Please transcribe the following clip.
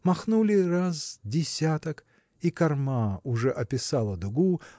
Махнули раз десяток – корма уже описала дугу